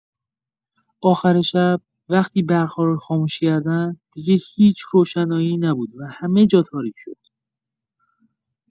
آخر شب، وقتی برق‌ها رو خاموش کردن، دیگه هیچ روشنایی‌ای نبود و همه‌جا تاریک شد.